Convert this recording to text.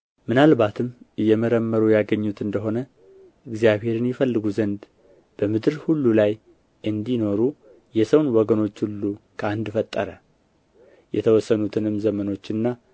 ምናልባትም እየመረመሩ ያገኙት እንደ ሆነ እግዚአብሔርን ይፈልጉ ዘንድ በምድር ሁሉ ላይ እንዲኖሩ የሰውን ወገኖች ሁሉ ከአንድ ፈጠረ የተወሰኑትንም ዘመኖችና